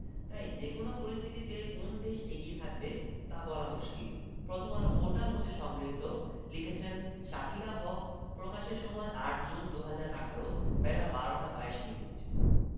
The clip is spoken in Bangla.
তাই যেকোনো পরিস্থিতিতে কোন দেশ এগিয়ে থাকবে তা বলা মুশকিল প্রথমআলো পোর্টাল হতে সংগৃহীত লিখেছেন শাকিলা হক প্রকাশের সময় ৮জুন ২০১৮ বেলা ১২টা ২২মিনিট